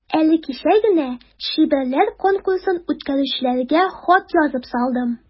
Әле кичә генә чибәрләр конкурсын үткәрүчеләргә хат язып салдым.